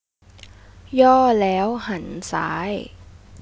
ย่อแล้วหันซ้าย